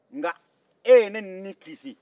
nka e ye ne ni kisi